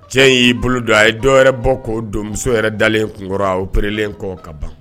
Cɛ in y'i bolo don a ye dɔw yɛrɛ bɔ k'o don muso yɛrɛ dalen kun kɔrɔ o perelen kɔ ka ban